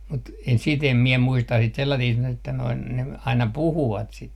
mutta - sitä en minä muista sitten sellaista että noin ne aina puhuivat sitä